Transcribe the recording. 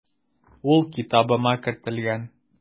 Ул китабыма кертелгән.